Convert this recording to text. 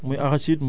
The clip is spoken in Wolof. dans le même champs